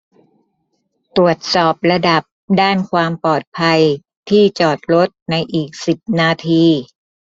ตรวจสอบระดับด้านความปลอดภัยที่จอดรถในอีกสิบนาที